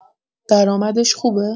درآمدش خوبه؟